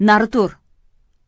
nari tur